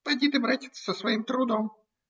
– Поди ты, братец, с своим трудом!